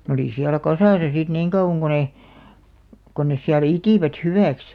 ne oli siellä kasassa sitten niin kauan kuin ne kuin ne siellä itivät hyväksi